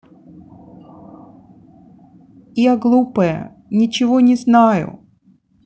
я глупые ничего не знаю